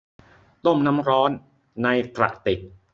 ต้มน้ำร้อนในกระติก